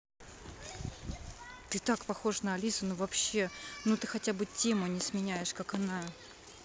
ты так похож на алису но вообще ну ты хотя бы тему не сменяешь как она